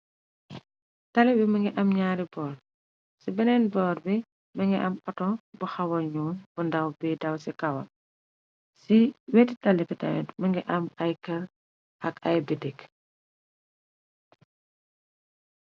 tali bi më ngi am ñaari boor ci beneen boor bi më ngi am aton bu xawanuon bu ndaw bi daw ci kawa ci weti talibi tenut më ngi am ay kër ak ay bidik